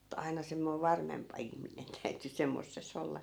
et aina semmoinen varmempi ihminen täytyi semmoisessa olla